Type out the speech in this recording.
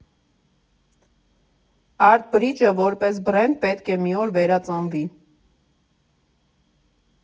Արտ Բրիջը՝ որպես Բրենդ, պետք է մի օր վերածնվի։